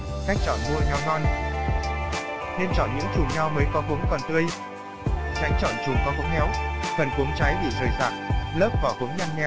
cách chọn mua nho ngon nên chọn những chùm nho mới có cuống còn tươi tránh chọn chùm có cuống héo phần cuống trái bị rời rạc lớp vỏ cuống nhăn nheo